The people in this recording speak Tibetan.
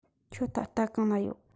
ཁྱོད ད ལྟ གང ན ཡོད